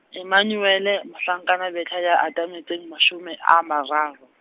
Emmanuele, Mohlankana Bertha ya atametseng mashome a mararo.